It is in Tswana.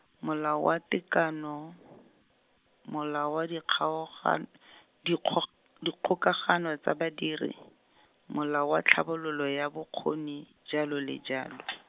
Molao wa Tekano, Molao wa Dikgaogan- Dikgo- Dikgokagano tsa Badiri, Molao wa Tlhabololo ya bokgoni, jalo le jalo.